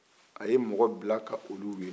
a ye mɔgɔ bila ka olu weele